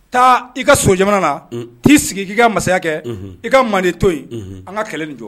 Taa i ka so jamana na, t'i sigi ka mansaya kɛ, i ka Manden to yen, an ka kɛlɛ in jɔ!